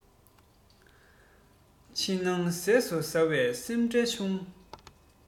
ཅི སྣང ཟས སུ ཟ བས སེམས ཁྲལ ཆུང